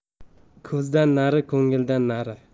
ko'zdan nari ko'ngildan nari